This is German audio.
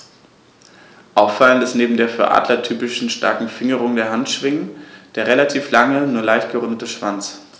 Auffallend ist neben der für Adler typischen starken Fingerung der Handschwingen der relativ lange, nur leicht gerundete Schwanz.